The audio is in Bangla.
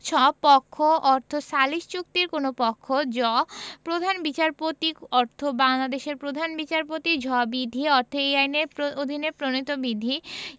ছ পক্ষ অর্থ সালিস চুক্তির কোন পক্ষ জ প্রধান বিচারপতি অর্থ বাংলাদেমের প্রধান বিচারপতি ঝ বিধি অর্থ এই আইনের অধীনে প্রণীত বিধি